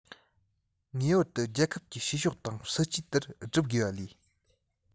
ངེས པར དུ རྒྱལ ཁབ ཀྱི བྱེད ཕྱོགས དང སྲིད ཇུས ལྟར བསྒྲུབ དགོས པ ལས